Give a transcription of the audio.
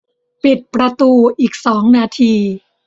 ปิดประตูอีกสองนาที